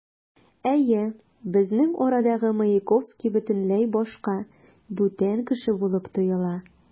Әйе, безнең арадагы Маяковский бөтенләй башка, бүтән кеше булып тоела.